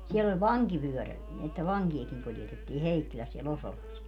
siellä oli vankivyöräri että vankejakin kuljetettiin Heikkilässä siellä Osolassa